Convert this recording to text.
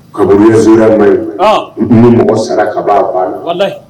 Kabya sema ye n mɔgɔ sara kaban'